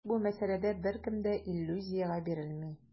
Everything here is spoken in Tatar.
Тик бу мәсьәләдә беркем дә иллюзиягә бирелми.